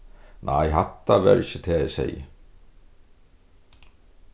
nei hatta var ikki tað eg segði